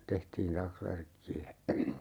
tehtiin taksvärkkiä